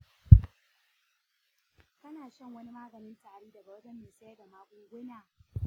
ka sha wani maganin tari daga wajen mai sayar da magunguna?